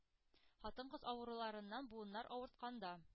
Хатын-кыз авыруларыннан, буыннар авыртканда,